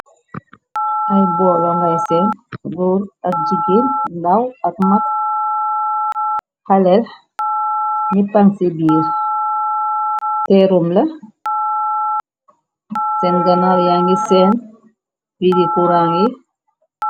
Ay boolo ngay seen góor ak jigéen ndaw ak mag xalel nippan ci biir teerum la seen ganar ya ngi seen bidi kurang yi.